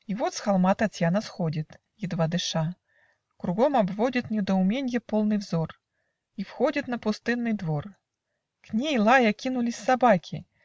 И вот с холма Татьяна сходит, Едва дыша; кругом обводит Недоуменья полный взор. И входит на пустынный двор. К ней, лая, кинулись собаки.